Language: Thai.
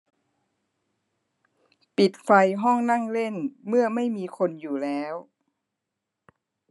ปิดไฟห้องนั่งเล่นเมื่อไม่มีคนอยู่แล้ว